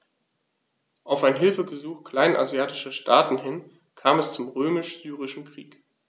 Auf ein Hilfegesuch kleinasiatischer Staaten hin kam es zum Römisch-Syrischen Krieg.